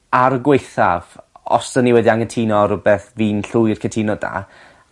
ar y gwaethaf os 'dyn ni wedi angytuno ar rwbeth fi'n llwyr cytuno 'da